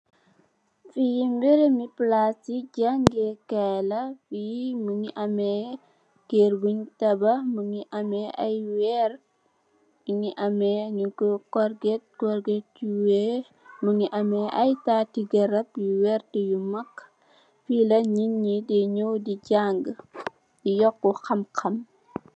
Fi berembi palaci jangex kai la fi mongi ame keur bung tabax mongi ame ay weer mongi ame nyun ko korget korget bu weex mongi ame ay tati garab yu maag yu werta fila nitt yi di nyoi di jànga di yoka xamxam.